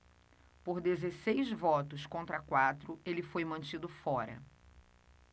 por dezesseis votos contra quatro ele foi mantido fora